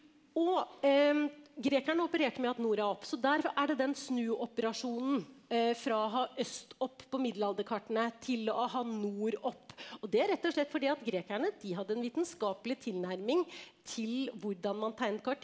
og grekerne opererte med at nord er opp så er det den snuoperasjonen fra å ha øst opp på middelalderkartene til å ha nord opp, og det er rett og slett fordi at grekerne de hadde en vitenskapelig tilnærming til hvordan man tegnet kart.